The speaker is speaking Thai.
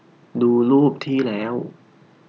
ดูรูปที่แล้ว